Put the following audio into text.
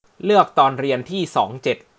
เลือกตอนเรียนที่สองเจ็ด